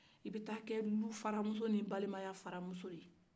i bɛ taa kɛ dufaramuso ni balemayafaramuso de ye